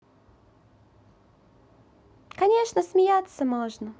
конечно смеяться можно